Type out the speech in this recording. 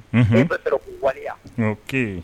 Ba ko waliya ko